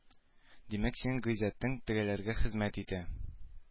Димәк синең гыйззәтең тегеләргә хезмәт итә